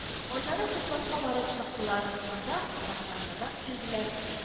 Аннары Кузбасска барып чыктылар, монда Карагандадан килделәр